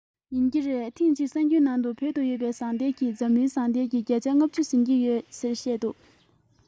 ཡིན གྱི རེད ཐེངས གཅིག གསར འགྱུར ནང དུ བོད དུ ཡོད པའི ཟངས གཏེར གྱིས འཛམ གླིང ཟངས གཏེར གྱི བརྒྱ ཆ ལྔ བཅུ ཟིན གྱི ཡོད ཟེར བཤད འདུག